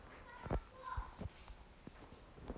так блядь ты тупая что ли не ты тупая сунели она тупая